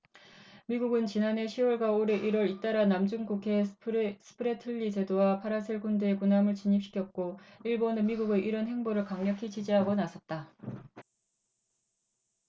미국은 지난해 시 월과 올해 일 월 잇달아 남중국해 스프래틀리 제도와 파라셀 군도에 군함을 진입시켰고 일본은 미국의 이런 행보를 강력히 지지하고 나섰다